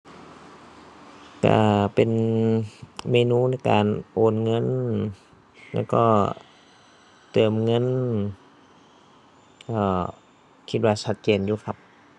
ก็เป็นเมนูในการโอนเงิน แล้วก็เติมเงิน ก็คิดว่าชัดเจนอยู่ครับ